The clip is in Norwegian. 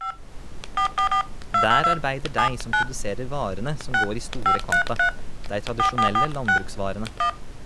Der arbeider dei som produserer varene som går i store kvanta, dei tradisjonelle landbruksvarene.